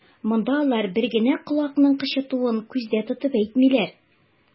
Монда алар бер генә колакның кычытуын күздә тотып әйтмиләр.